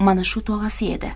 mana shu tog'asi edi